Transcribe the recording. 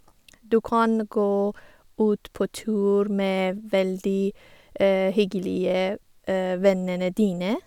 Du kan gå ut på tur med veldig hyggelige vennene dine.